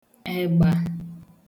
ègbà